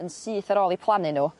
yn syth ar ôl 'u plannu n'w